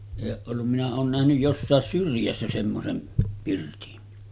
ei ole ollut minä olen nähnyt jossakin syrjässä semmoisen pirtin